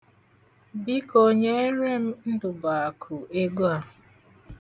Biko, nyeere m Ndụbụakụ ego a.